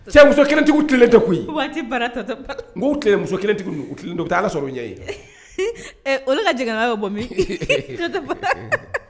Cɛ muso kelentigiw tile tɛ koyi n muso kelen taa ka sɔrɔ ɲɛ ye olu ka jigin bɔ min